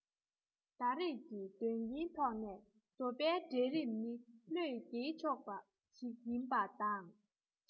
ད རེས ཀྱི དོན རྐྱེན ཐོག ནས བཟོ པའི གྲལ རིམ ནི བློས འགེལ ཆོག པ ཞིག ཡིན པ དང